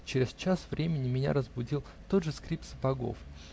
через час времени меня разбудил тот же скрип сапогов.